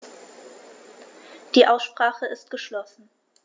Die Aussprache ist geschlossen.